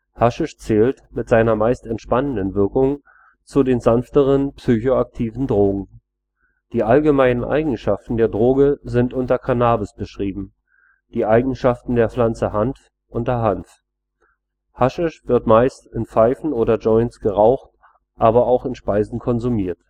Haschisch zählt, mit seiner meist entspannenden Wirkung, zu den „ sanfteren “psychoaktiven Drogen. Die allgemeinen Eigenschaften der Droge sind unter Cannabis beschrieben, die Eigenschaften der Pflanze unter Hanf. Haschisch wird meist (in Pfeifen oder Joints) geraucht, aber auch in Speisen konsumiert